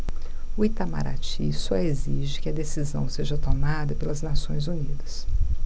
o itamaraty só exige que a decisão seja tomada pelas nações unidas